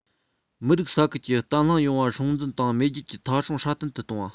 མི རིགས ས ཁུལ གྱི བརྟན ལྷིང ཡོང བ སྲུང འཛིན དང མེས རྒྱལ གྱི མཐའ སྲུང སྲ བརྟན དུ གཏོང བ